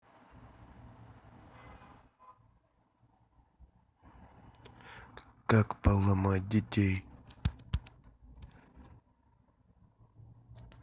как поломать детей